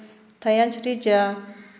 tayanch reja